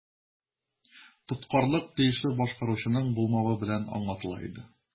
Тоткарлык тиешле башкаручының булмавы белән аңлатыла иде.